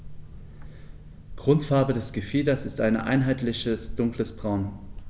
Grundfarbe des Gefieders ist ein einheitliches dunkles Braun.